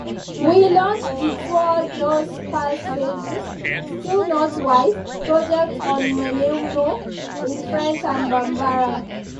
We launched the Toujours Pas Sages (Still not wise) project on Maneno, in French and Bambara.